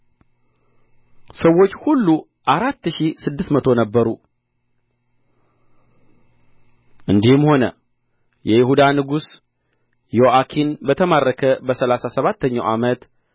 ሰዎች ሁሉ አራት ሺህ ስድስት መቶ ነበሩ እንዲህም ሆነ የይሁዳ ንጉሥ ዮአኪን በተማረከ በሠላሳ ሰባተኛው ዓመት